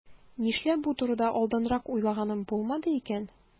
Нишләп бу турыда алданрак уйлаганым булмады икән?